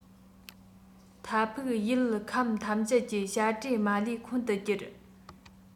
མཐའ ཕུགས ཡུལ ཁམས ཐམས ཅད ཀྱི བྱ སྤྲེལ མ ལུས འཁོན དུ གྱུར